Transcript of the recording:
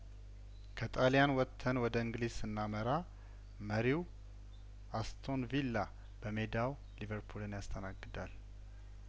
ከጣልያን ወጥተን ወደ እንግሊዝ ስና መራ መሪው አስቶን ቪላ በሜዳው ሊቨርፑልን ያስተናግዳል